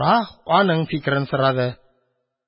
Шаһ аның фикерен сорады.